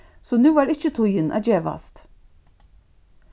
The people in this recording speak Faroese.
so nú var ikki tíðin at gevast